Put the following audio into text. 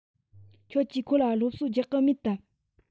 ཁྱོད ཀྱིས ཁོ ལ སློབ གསོ རྒྱག གི མེད དམ